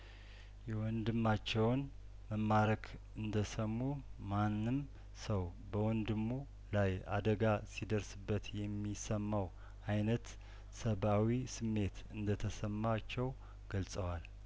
የወንድማቸውን መማረክ እንደሰሙ ማንም ሰው በወንድሙ ላይ አደጋ ሲደርስበት የሚሰማው አይነት ሰብአዊ ስሜት እንደተሰማቸው ገልጸዋል